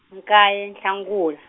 nkaye Nhlangula.